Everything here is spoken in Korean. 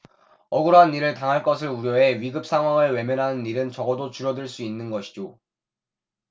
억울한 일을 당할 것을 우려해 위급상황을 외면하는 일은 적어도 줄어들 수 있는 것이죠